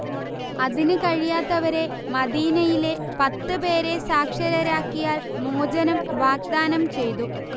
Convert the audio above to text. അതിന് കഴിയാത്തവരെ മദീനയിലെ പത്ത് പേരെ സാക്ഷരരാക്കിയാൽ മോചനം വാഗ്ദാനം ചെയ്തു